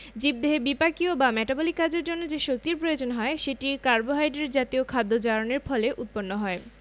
জীবদেহে বিপাকীয় বা মেটাবলিক কাজের জন্য যে শক্তির প্রয়োজন হয় সেটি কার্বোহাইড্রেট জাতীয় খাদ্য জারণের ফলে উৎপন্ন হয়